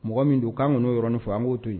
Mɔgɔ min don kan kano yɔrɔnin fɔ an ko to yen.